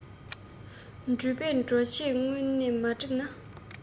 འགྲུལ པས འགྲོ ཆས སྔོན ནས མ བསྒྲིགས ན